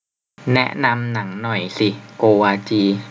แนะนำหนังหน่อยสิโกวาจี